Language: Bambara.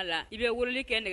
I bɛ wulili kɛ